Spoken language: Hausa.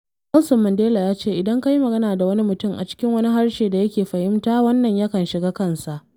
Nelson Mandela ya ce: “Idan ka yi magana da wani mutum a cikin wani harshe da yake fahimta, wannan yakan shiga kansa.